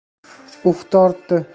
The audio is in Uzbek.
uf tortdi o'lsin